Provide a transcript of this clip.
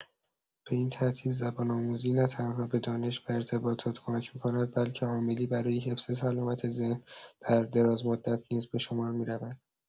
به این ترتیب زبان‌آموزی نه‌تنها به دانش و ارتباطات کمک می‌کند، بلکه عاملی برای حفظ سلامت ذهن در درازمدت نیز به شمار می‌رود.